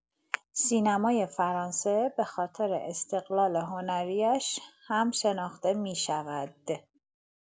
سینمای فرانسه به‌خاطر استقلال هنری‌اش هم شناخته می‌شود.